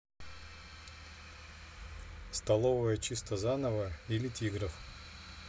столовая чисто заново или тигров